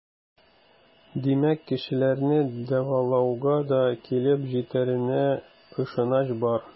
Димәк, кешеләрне дәвалауга да килеп җитәренә ышаныч бар.